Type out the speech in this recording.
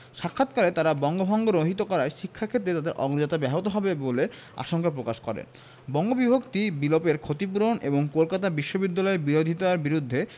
সাক্ষাৎকালে তাঁরা বঙ্গভঙ্গ রহিত করায় শিক্ষাক্ষেত্রে তাদের অগ্রযাত্রা ব্যাহত হবে বলে আশঙ্কা প্রকাশ করেন বঙ্গবিভক্তি বিলোপের ক্ষতিপূরণ এবং কলকাতা বিশ্ববিদ্যালয়ের বিরোধিতার বিরুদ্ধে